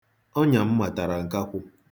Ọnya m matara nkakwụ.